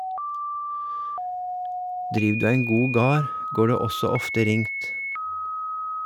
Driv du ein god gard , går det også ofte ringt.